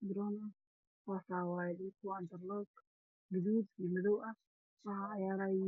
Halkaan waxaa ka muuqdo wiilal dheelaayo